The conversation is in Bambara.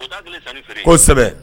Kosɛbɛ